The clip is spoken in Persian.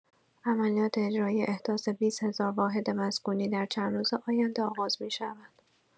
عملیات اجرایی احداث ۲۰ هزار واحد مسکونی در چند روز آینده آغاز می‌شود.